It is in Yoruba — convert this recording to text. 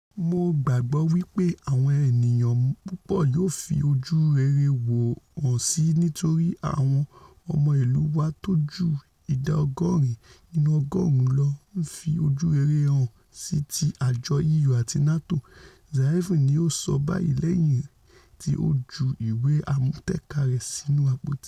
Mo gbàgbọ́ wí pé àwọn ènìyàn pupọ̀ yóò fi ojú rere hàn síi nítorí àwọn ọmọ ìlú wa tóju ìdá ọgọ́rin nínú ọgọ́ọ̀rún lọ ńfi ojú rere hàn sí ti àjọ EU àti NATO,'' Zaev ni o sọ báyií lẹ́yìn tí o ju ìwé amútẹ̀kàsí rẹ̀ sínu àpótí.